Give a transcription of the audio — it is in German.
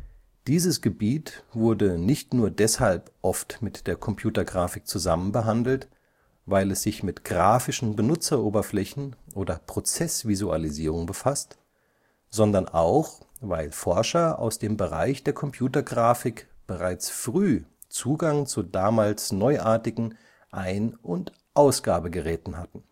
Dieses Gebiet wurde nicht nur deshalb oft mit der Computergrafik zusammen behandelt, weil es sich mit grafischen Benutzeroberflächen oder Prozessvisualisierung befasst, sondern auch, weil Forscher aus dem Bereich der Computergrafik bereits früh Zugang zu damals neuartigen Ein - und Ausgabegeräten hatten